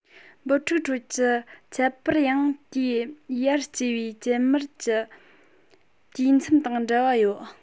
འབུ ཕྲུག ཁྲོད ཀྱི ཁྱད པར ཡང དེའི ཡར སྐྱེ བའི ཅལ མར གྱི དུས མཚམས དང འབྲེལ བ ཡོད